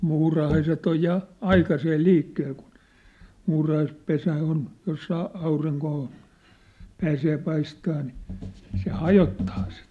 muurahaiset on ja aikaisin liikkeellä kun muurahaispesä on jos saa aurinkoa pääsee paistamaan niin se hajottaa sen